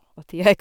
Og tida gikk...